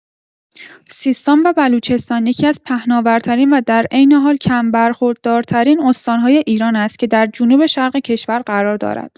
سیستان و بلوچستان یکی‌از پهناورترین و در عین حال کم‌برخوردارترین استان‌های ایران است که در جنوب‌شرق کشور قرار دارد.